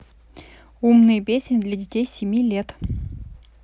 умные песни для детей семи лет